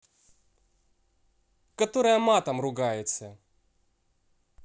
которая матом ругается